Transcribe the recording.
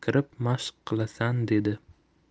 kirib mashq qilasan dedi